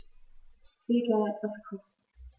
Ich will gerne etwas kochen.